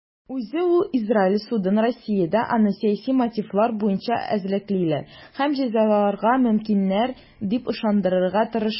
Үзе ул Израиль судын Россиядә аны сәяси мотивлар буенча эзәрлеклиләр һәм җәзаларга мөмкиннәр дип ышандырырга тырыша.